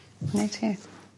Fyny i ti.